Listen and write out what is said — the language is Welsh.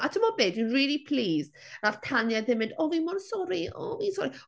A tibod be dwi'n really pleased wnaeth Tanya ddim mynd "O fi mor sori o fi'n sori".